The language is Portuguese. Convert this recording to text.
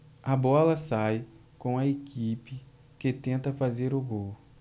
a bola sai com a equipe que tenta fazer o gol